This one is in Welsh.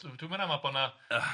D- dwi'm yn aml bod yna yy